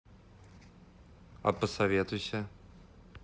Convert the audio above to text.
а посоветуйся